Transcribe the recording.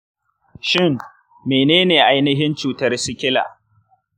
shin menene ainihin cutar skila?